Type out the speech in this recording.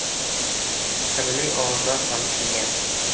sirli ovozlar ham tingan